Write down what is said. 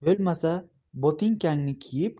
bo'lmasa botinkangni kiyib